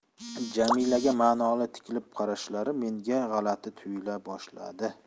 jamilaga ma'noli tikilib qarashlari menga g'alati tuyula boshladi